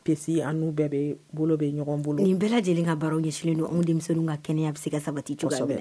P an n' bɛɛ bɛ bolo bɛ ɲɔgɔn bolo nin bɛɛ lajɛlen ka baro ɲɛslen don anw denmisɛnnin ka kɛnɛ a bɛ se ka sabati jɔsɛbɛ